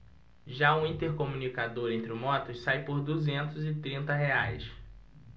já o intercomunicador entre motos sai por duzentos e trinta reais